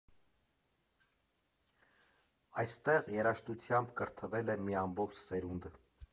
Այստեղ երաժշտությամբ կրթվել է մի ամբողջ սերունդ։